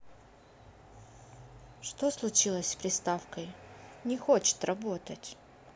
что случилось с приставкой не хочет работать